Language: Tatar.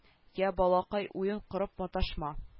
Йә балакай уен корып маташма